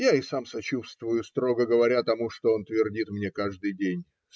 Я и сам сочувствую, строго говоря, тому, что он твердит мне каждый день.